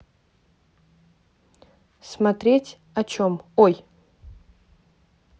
смотреть о чем ой